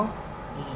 Sàkkal